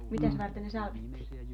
mitäs varten ne salvettiin